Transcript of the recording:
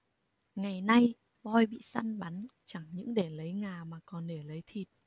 ngày nay voi bị săn bắn chẳng những để lấy ngà mà còn để lấy thịt